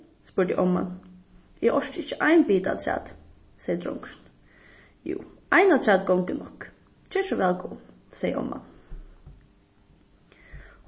spurdi omman eg orki ikki ein bita afturat segði drongurin jú ein afturat gongur nokk ger so væl góði segði omman